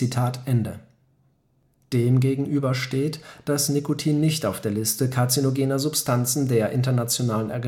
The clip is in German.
Kanzerogene. " Dem gegenüber steht, dass Nicotin nicht auf der Liste karzinogener Substanzen der Internationalen